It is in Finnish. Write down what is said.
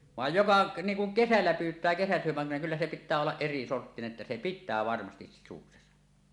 vaan joka niin kuin kesällä pyytää kesäsydämellä kyllä se pitää olla erisorttinen että se pitää varmasti sisuksensa